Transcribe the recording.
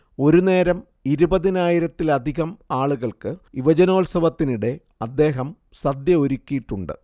ഒരുനേരം ഇരുപതിനായിരത്തിലധികം ആളുകൾക്ക് യുവജനോത്സവത്തിനിടെ അദ്ദേഹം സദ്യയൊരുക്കിയിട്ടുണ്ട്